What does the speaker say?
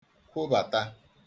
kwobàtà